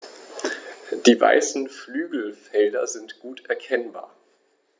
Die weißen Flügelfelder sind gut erkennbar.